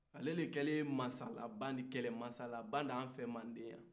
ale le kɛlen masa laban di kɛlɛmasa laban di an fɛ manden yan